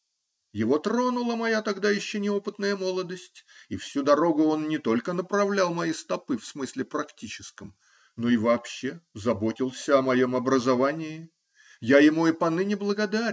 Его тронула моя тогда еще неопытная молодость, и всю дорогу он не только направлял мои стопы в смысле практическом, но и вообще заботился о моем образовании. Я ему и поныне благодарен.